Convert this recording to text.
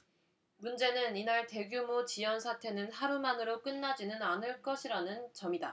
문제는 이날 대규모 지연 사태는 하루만으로 끝나지는 않을 것이라는 점이다